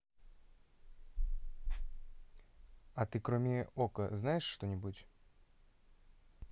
а ты кроме okko знаешь что нибудь